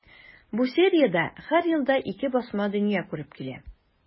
Бу сериядә һәр елда ике басма дөнья күреп килә.